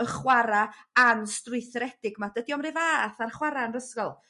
y chwara anstrwythredig 'ma dydy o'm 'run fath a'r chwara'n 'r ysgol.